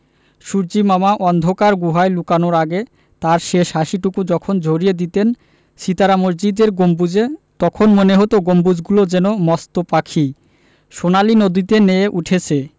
সূর্য্যিমামা অন্ধকার গুহায় লুকানোর আগে তাঁর শেষ হাসিটুকু যখন ঝরিয়ে দিতেন সিতারা মসজিদের গম্বুজে তখন মনে হতো গম্বুজগুলো যেন মস্ত পাখি সোনালি নদীতে নেয়ে উঠেছে